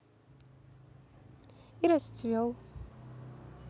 и расцвел